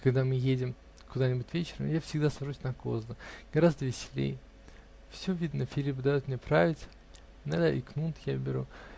Когда мы едем куда-нибудь вечером, я всегда сажусь на козлы -- гораздо веселей -- все видно, Филипп дает мне править, иногда и кнут я беру.